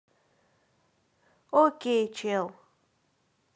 окей чел